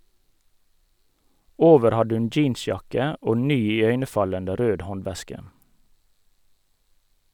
Over hadde hun jeansjakke og ny iøynefallende rød håndveske.